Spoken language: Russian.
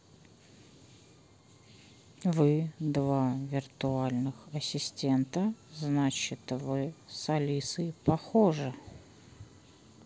вы два виртуальных ассистента значит вы с алисой похожи